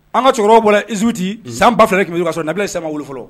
An ka cɛkɔrɔba bɔ izsuuti ci san ba fana k kasɔ labila san wolo fɔlɔ